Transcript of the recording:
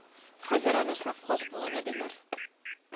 Хәзер аны совхоз болыны диләр